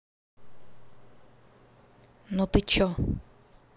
ну ты че